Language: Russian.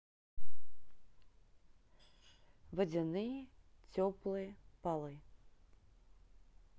водяные теплые полы